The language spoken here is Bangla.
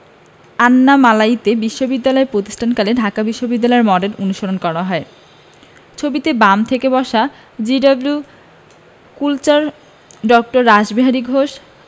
আন্নামালাইতে বিশ্ববিদ্যালয় প্রতিষ্ঠাকালে ঢাকা বিশ্ববিদ্যালয়ের মডেল অনুসরণ করা হয় ছবিতে বাম থেকে বসা জি.ডব্লিউ. কুলচার ড. রাসবিহারী ঘোষ